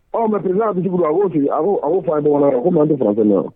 Ɔ ma n'a bɛ juguuru a ko fan dɔn ko ma di fan tɛ wa